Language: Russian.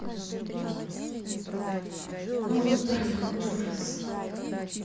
албания дуррес